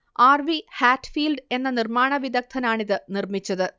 R V Hatfield എന്ന നിർമ്മാണ വിദഗ്ധനാണിത് നിർമ്മിച്ചത്